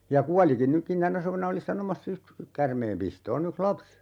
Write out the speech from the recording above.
ja kuolikin nytkin tänä suvena olin sanomassa just käärmeenpistoon yksi lapsi